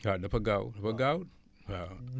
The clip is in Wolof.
waaw dafa gaaw dafa gaaw waaw